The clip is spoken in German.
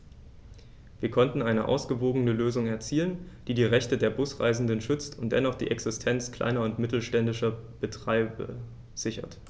Wir konnten eine ausgewogene Lösung erzielen, die die Rechte der Busreisenden schützt und dennoch die Existenz kleiner und mittelständischer Betreiber sichert.